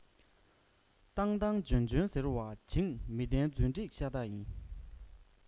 བཏང བཏང འཇོན འཇོན ཟེར བ བྱིངས མི བདེན རྫུན སྒྲིག ཤ སྟག ཡིན